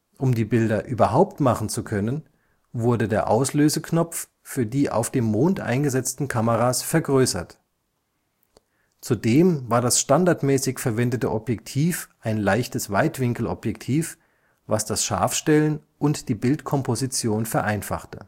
Um die Bilder überhaupt machen zu können, wurde der Auslöseknopf für die auf dem Mond eingesetzten Kameras vergrößert. Zudem war das standardmäßig verwendete Objektiv ein leichtes Weitwinkelobjektiv, was das Scharfstellen und die Bildkomposition vereinfachte